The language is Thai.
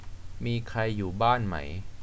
มีใครอยู่บ้านไหม